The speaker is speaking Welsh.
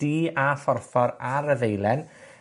du a phorffor ar y ddeilen,